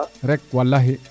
rek walahi